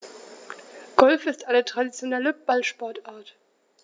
Golf ist eine traditionelle Ballsportart.